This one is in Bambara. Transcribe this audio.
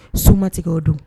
Sotigɛ o don